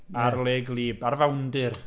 Ar le glyb, ar fawndir.